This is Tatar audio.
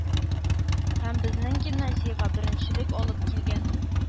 Һәм безнең гимназиягә беренчелек алып килгән